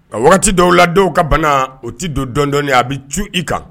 Nka waati wagati dɔw la dɔw ka bana o t tɛ don dɔndɔ a bɛ ci i kan